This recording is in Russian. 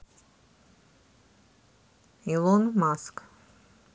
илон маск